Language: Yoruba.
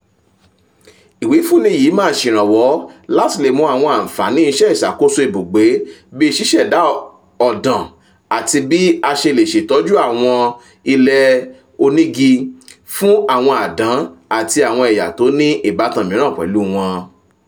Ìwífúnni yì máa ṣèrànwọ́ láti le mọ àwọn àǹfààní iṣẹ́ ìṣàkóso ibùgbé bíi ṣíṣẹ̀dá ọ̀dàn àti bí a ṣe le ṣètọ́jú àwọn ilẹ̀ onígí fún àwọn àdán àti àwọn ẹ̀yà tó ní ìbátán míràn pẹ̀lú wọn.